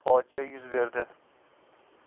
fojia yuz berdi